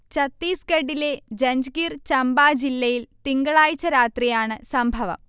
ചത്തീസ്ഗഢിലെ ജഞ്ച്ഗിർ ചമ്പ ജില്ലയിൽ തിങ്കളാഴ്ച്ച രാത്രിയാണ് സംഭവം